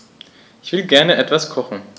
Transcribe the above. Ich will gerne etwas kochen.